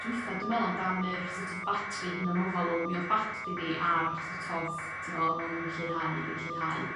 dwitha dwi me'wl amdan yr so't of batri hunanofal odd mi odd batri fi ar so't of teimlo odd o'n lleihau ag yn lleihau.